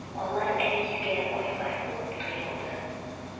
Алар Әнискә айлар булып тоелды.